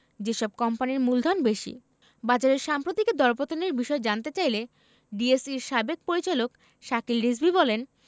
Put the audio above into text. যেসব কোম্পানির মূলধন বেশি বাজারের সাম্প্রতিক এ দরপতনের বিষয়ে জানতে চাইলে ডিএসইর সাবেক পরিচালক শাকিল রিজভী বলেন